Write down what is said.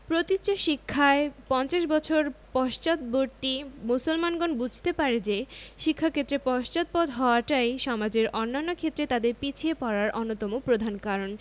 প্রতীচ্য শিক্ষায় পঞ্চাশ বছর পশ্চাদ্বর্তী মুসলমানগণ বুঝতে পারে যে শিক্ষাক্ষেত্রে পশ্চাৎপদ হওয়াটাই সমাজের অন্যান্য ক্ষেত্রে তাদের পিছিয়ে পড়ার অন্যতম প্রধান কারণ